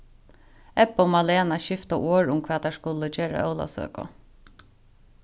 ebba og malena skifta orð um hvat tær skulu gera á ólavsøku